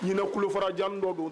Ɲinkulufaja dɔ don